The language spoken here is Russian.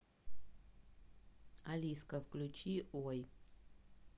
алиска включи ой